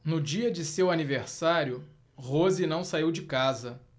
no dia de seu aniversário rose não saiu de casa